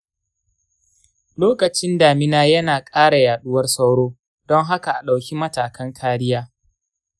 lokacin damina yana ƙara yaduwar sauro, don haka a ɗauki matakan kariya.